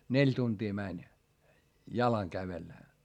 neljä tuntia meni jalan kävellä